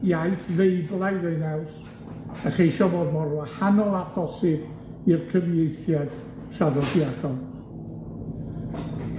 iaith feiblaidd ei naws, a cheisio bod mor wahanol â posib i'r cyfieithiad traddodiadol.